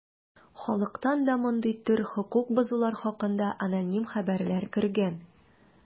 Халыктан да мондый төр хокук бозулар хакында аноним хәбәрләр кергән.